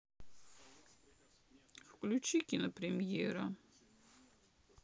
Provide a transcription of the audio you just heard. включи кинопремьера